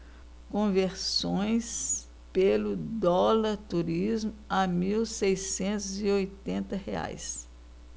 conversões pelo dólar turismo a mil seiscentos e oitenta reais